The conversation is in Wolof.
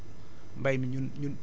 mu gën a jàppaat